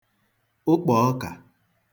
ụkpọ̀ọkà